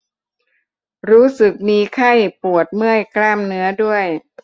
รู้สึกมีไข้ปวดเมื่อยกล้ามเนื้อด้วย